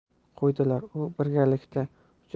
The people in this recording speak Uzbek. qo'ydilar u birgalikda